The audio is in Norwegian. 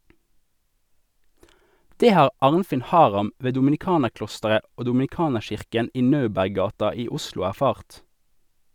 Det har Arnfinn Haram ved dominikanerklosteret og dominikanerkirken i Neuberggata i Oslo erfart.